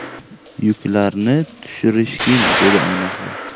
yuklarni tushirishgin dedi onasi